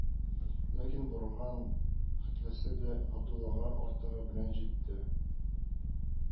Ләкин борган хәтлесе дә Габдуллага артыгы белән җитте